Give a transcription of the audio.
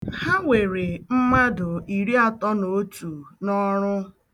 Ha were mmadụ iri atọ na otu n'ọrụ.